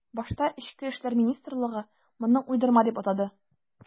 Башта эчке эшләр министрлыгы моны уйдырма дип атады.